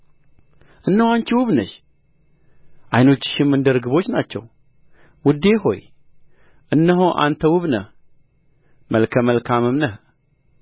እነሆ ውብ ነሽ እነሆ አንቺ ውብ ነሽ ዓይኖችሽም እንደ ርግቦች ናቸው ውዴ ሆይ እነሆ አንተ ውብ ነህ መልከ መልካምም ነህ